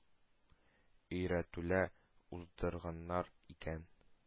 Өйрәтүләр уздырганнар икән